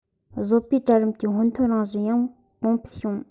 བཟོ པའི གྲལ རིམ གྱི སྔོན ཐོན རང བཞིན ཡང གོང འཕེལ བྱུང